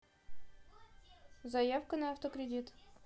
заявка на автокредит